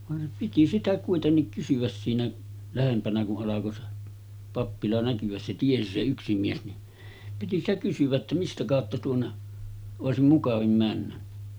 vaan piti sitä kuitenkin kysyä siinä lähempänä kun alkoi se pappila näkyä se tiesi se yksi mies niin piti sitä kysyä että mistä kautta tuonne olisi mukavin mennä